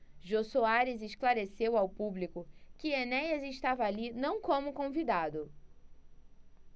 jô soares esclareceu ao público que enéas estava ali não como convidado